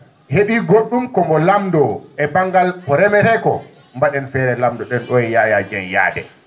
he?ii go??um ko mbo lamdoo e ba?ngal ko remeree koo mba?en feere lamdo?en ?oo e Yaya Dieng yahde